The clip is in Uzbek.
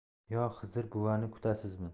yo xizr buvani kutasizmi